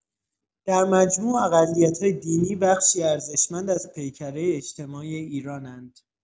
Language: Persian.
در مجموع، اقلیت‌های دینی بخشی ارزشمند از پیکره اجتماعی ایران‌اند.